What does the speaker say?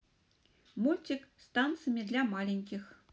мультики с танцами для маленьких